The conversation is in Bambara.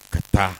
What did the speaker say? Ka taa